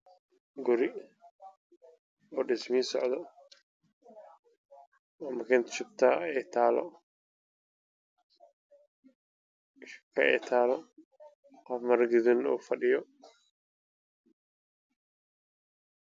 Waa guri dhismihiisa socdo